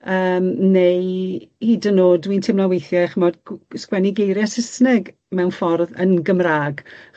Yym neu hyd yn o'd dwi'n teimlo weithie ch'mod gw- sgwennu geirie Sysneg mewn ffordd yn Gymra'g.